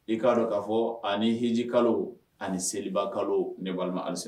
I'a dɔn k'a fɔ ani hji kalo ani seliba kalo ni balima alise